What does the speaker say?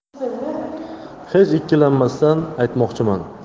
hech ikkilanmasdan aytmoqchiman